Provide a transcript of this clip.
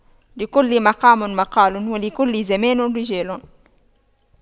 لكل مقام مقال ولكل زمان رجال